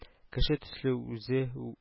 Кеше төсле үзе